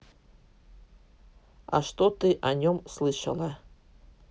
а что ты о нем слышала